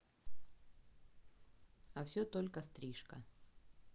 а все только стрижка